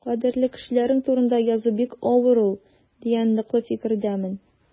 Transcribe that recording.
Кадерле кешеләрең турында язу бик авыр ул дигән ныклы фикердәмен.